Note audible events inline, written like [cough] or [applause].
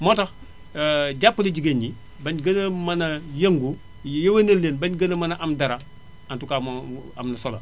moo tax [hesitation] jàppale jigéen ñi bañ gën a mën a yëngu yéwénal leen bañ gën a mën a am dara en tout cas mo am na solo